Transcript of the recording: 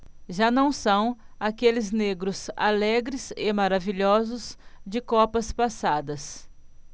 já não são aqueles negros alegres e maravilhosos de copas passadas